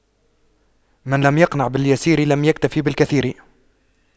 من لم يقنع باليسير لم يكتف بالكثير